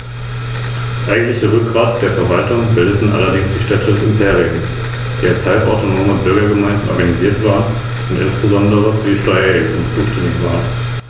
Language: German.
Nach dem Fall Saguntums und der Weigerung der Regierung in Karthago, Hannibal auszuliefern, folgte die römische Kriegserklärung.